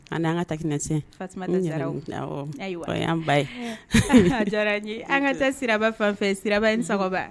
A an ka ta nac sira ba ye an ka taa siraba fan fɛ siraba in sagoba